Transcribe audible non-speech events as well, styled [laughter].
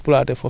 [hesitation] [hesitation]